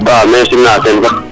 Maxey sim na fop